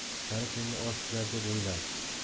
sharif endi osh kirar deb o'yladi